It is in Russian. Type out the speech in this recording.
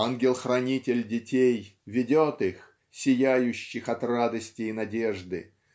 Ангел-хранитель детей ведет их, сияющих от радости и надежды,